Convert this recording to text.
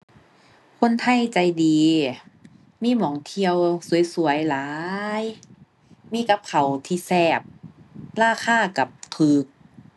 คนไทยใจดี มีหม้องเที่ยวสวยสวยหลาย มีกับข้าวที่แซ่บราคาก็ก็